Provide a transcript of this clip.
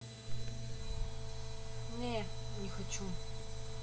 не не хочу